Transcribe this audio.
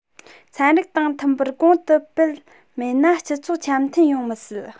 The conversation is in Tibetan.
ཚན རིག དང མཐུན པར གོང དུ སྤེལ མེད ན སྤྱི ཚོགས འཆམ མཐུན ཡོང མི སྲིད